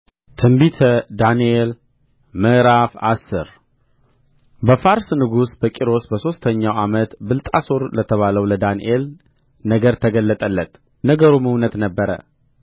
ትንቢተ ዳንኤል ምዕራፍ አስር በፋርስ ንጉሥ በቂሮስ በሦስተኛው ዓመት ብልጣሶር ለተባለው ለዳንኤል ነገር ተገለጠለት ነገሩም እውነት ነበረ